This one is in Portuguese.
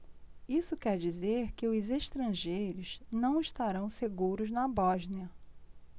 isso quer dizer que os estrangeiros não estarão seguros na bósnia